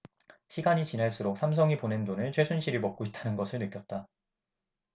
시간이 지날수록 삼성이 보낸 돈을 최순실이 먹고 있다는 것을 느꼈다